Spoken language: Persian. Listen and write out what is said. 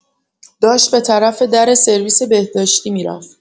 داشت به‌طرف در سرویس بهداشتی می‌رفت.